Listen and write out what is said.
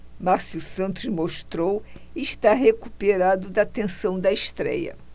márcio santos mostrou estar recuperado da tensão da estréia